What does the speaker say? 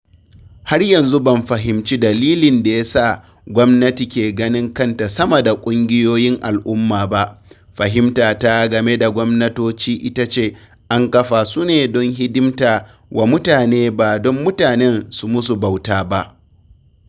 Har yanzu ban fahimci dalilin da ya sa gwamnati ke ganin kanta sama da ƙungiyoyin al'umma ba, fahimtata game da gwamnatoci ita ce an kafa su ne don hidimta wa mutane ba don mutanen su musu bauta ba.